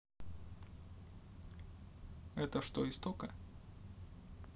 это что истока